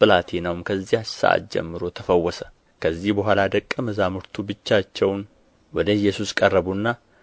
ብላቴናውም ከዚያች ሰዓት ጀምሮ ተፈወሰ ከዚህ በኋላ ደቀ መዛሙርቱ ብቻቸውን ወደ ኢየሱስ ቀረቡና